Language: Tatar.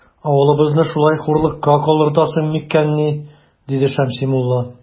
Авылыбызны шулай хурлыкка калдыртасың микәнни? - диде Шәмси мулла.